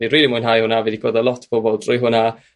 fi rili mwynhau hwnna fi 'di cwrdd a lot o bobol drwy hwnna